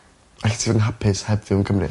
Ella ti fod yn hapus heb fyw yn Cymru?